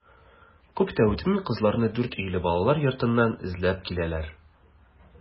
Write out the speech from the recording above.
Күп тә үтми кызларны Дүртөйле балалар йортыннан эзләп киләләр.